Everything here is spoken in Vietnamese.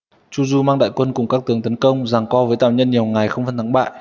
chu du mang đại quân cùng các tướng tấn công giằng co với tào nhân nhiều ngày không phân thắng bại